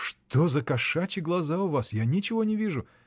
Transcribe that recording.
— Что за кошачьи глаза у вас: я ничего не вижу!